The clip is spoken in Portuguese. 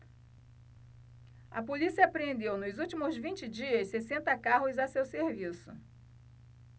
a polícia apreendeu nos últimos vinte dias sessenta carros a seu serviço